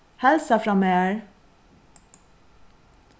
heilsa frá mær